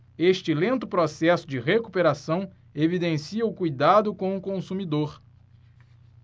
este lento processo de recuperação evidencia o cuidado com o consumidor